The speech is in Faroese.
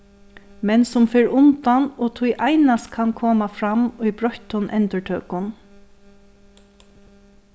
men sum fer undan og tí einans kann koma fram í broyttum endurtøkum